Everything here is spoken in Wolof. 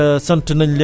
rawatina